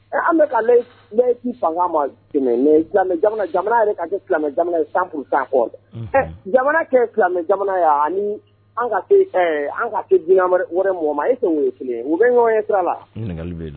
E an bɛka laicité fanga ma tɛmɛn mais silaamɛ jamana, jamana yɛrɛ ka kɛ silamɛ jamana 100% encore ɛ jamana k silamɛ jamana ye ani ka se dinɛ wɛrɛ mɔgɔ ma tɛ kelen ye , o bɛ ɲɔgɔn ɲɛ sira la?ɲinikali bɛ yen.